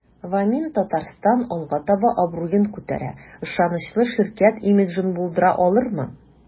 "вамин-татарстан” алга таба абруен күтәрә, ышанычлы ширкәт имиджын булдыра алырмы?